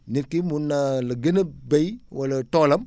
nit ki mun na la gën a béy wala toolam